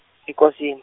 eKosini.